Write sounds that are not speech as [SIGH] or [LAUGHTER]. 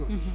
[HESITATION] [HESITATION]